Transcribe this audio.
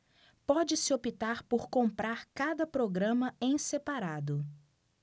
pode-se optar por comprar cada programa em separado